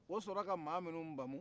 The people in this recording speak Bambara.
o sɔrɔla ka maa ninnu bamu